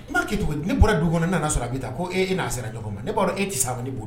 N b'a kɛcogo ni bɔra du kɔnɔ nana sɔrɔ a bɛ taa ko e n'a sera jɔn ma na ne b'a e tɛ sa ne bolo